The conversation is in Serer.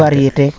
varieté waaw